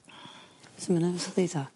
Su' ma nerves di ta?